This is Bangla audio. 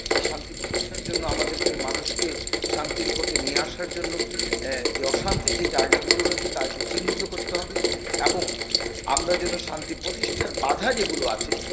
এই শান্তি প্রতিষ্ঠা করার জন্য আমাদেরকে মানুষকে শান্তির পথে নিয়ে আসার জন্য যে অশান্তির যে জায়গাগুলো তাকে চিহ্নিত করতে হবে এবং আমরা যেন শান্তি প্রতিষ্ঠার বাঁধা যেগুলো আছে